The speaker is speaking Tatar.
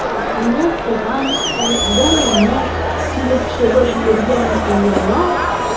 Шуны кыран-галәмәт килеп чабып йөргән булалар.